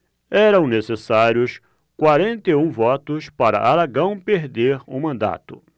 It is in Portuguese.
eram necessários quarenta e um votos para aragão perder o mandato